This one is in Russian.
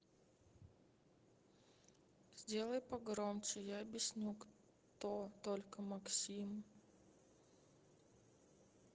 сделай погромче я объясню кто только максим